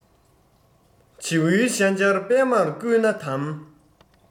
བྱེའུའི ཤ སྦྱར པདྨར བསྐུས ན དམ